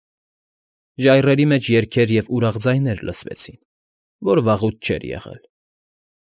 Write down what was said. Ժայռերի մեջ երգեր և ուրախ ձայներ լսվեցին, որ վաղուց չէր եղել։